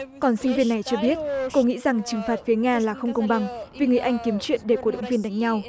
còn sinh viên này cho biết cô nghĩ rằng trừng phạt với nga là không công bằng vì người anh kiếm chuyện để cổ động viên đánh nhau